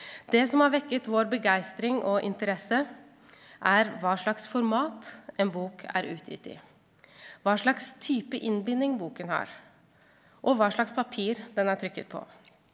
det som har vekket vår begeistring og interesse er hva slags format en bok er utgitt i, hva slags type innbinding boken har, og hva slags papir den er trykket på.